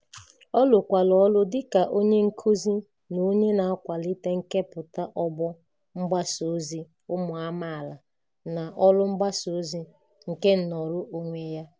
Ọ rụkwara ọrụ dịka onye nkuzi na onye na-akwalite nkepụta ọgbọ mgbasa ozi ụmụ amaala na ọrụ mgbasa ozi nke nọọrọ onwe ya.